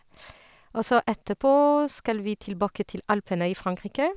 Og så etterpå skal vi tilbake til Alpene i Frankrike.